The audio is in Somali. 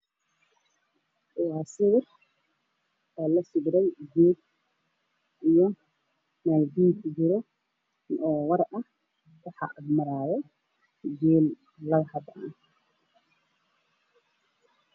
Waa meel bannaan waxaa marayo saddex geel waxaa ka dambeeya biyo qorraxda ayaa sii dhacaysa